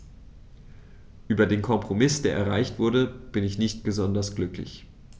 Über den Kompromiss, der erreicht wurde, bin ich nicht besonders glücklich.